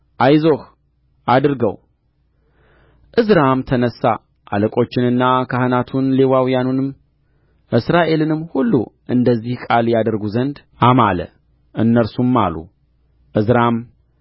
አይዞህ አድርገው ዕዝራም ተነሣ አለቆቹንና ካህናቱን ሌዋውያኑንም እስራኤልንም ሁሉ እንደዚህ ቃል ያደርጉ ዘንድ አማለ እነርሱም ማሉ ዕዝራም